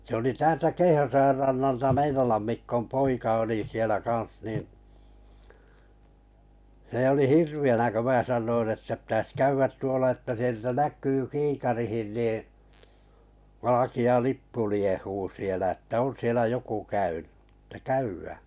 se oli täältä Keihäsojan rannalta Meinolan Mikon poika oli siellä kanssa niin se oli hirveänä kun minä sanoin että pitäisi käydä tuolla että sieltä näkyy kiikariin niin valkea lippu liehuu siellä että on siellä joku käynyt että käydään